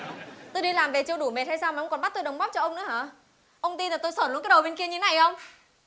tôi đi làm về chưa đủ mệt hay sao mà ông còn bắt tôi đấm bóp cho ông nữa hả ông tin là tôi sởn luôn cái đầu bên kia như này không